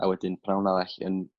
a wedyn pnawn arall yn